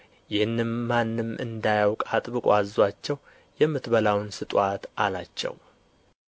ይህንም ማንም እንዳያውቅ አጥብቆ አዞአቸው የምትበላውን ስጡአት አላቸው